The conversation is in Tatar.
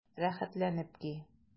Рәхәтләнеп ки!